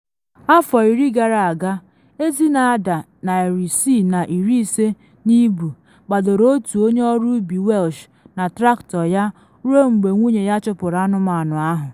Afọ iri gara aga, ezi na ada 650 n’ibu kpadoro otu onye ọrụ ubi Welsh na traktọ ya ruo mgbe nwunye ya chụpụrụ anụmanụ ahụ.